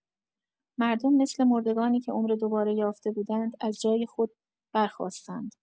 مردم مثل مردگانی که عمر دوباره یافته بودند، از جای خود برخاستند.